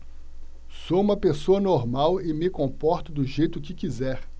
sou homossexual e me comporto do jeito que quiser